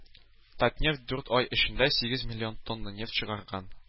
“татнефть” дүрт ай эчендә сигез миллион тонна нефть чыгарган